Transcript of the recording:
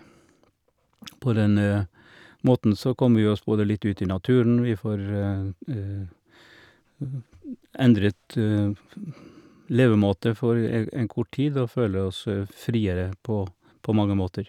På den måten så kommer vi oss både litt ut i naturen, vi får endret levemåte for e en kort tid og føler oss friere på på mange måter.